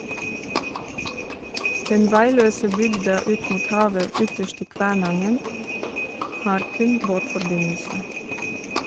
Den vegløse bygda ut mot havet ytterst i Kvænangen har kun båtforbindelse.